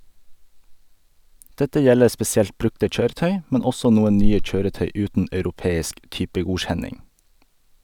Dette gjelder spesielt brukte kjøretøy, men også noen nye kjøretøy uten europeisk typegodkjenning.